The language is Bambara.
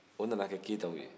o nana kɛ keyitaw ye